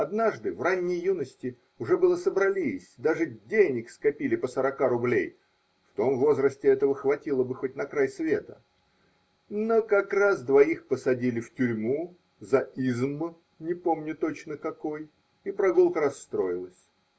Однажды, в ранней юности, уже было собрались, даже денег скопили по сорока рублей (в том возрасте этого хватило бы хоть на край света), но как раз двоих посадили в тюрьму за изм, не помню точно какой, и прогулка расстроилась.